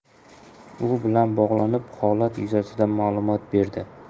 u bilan bog'lanib holat yuzasidan ma'lumot berdi